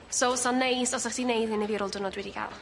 So sa'n neis os sa chdi'n neud hyn i fi ar ôl diwrnod dwi 'di ga'l.